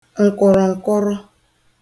ǹkụ̀rụ̀ǹkụrụ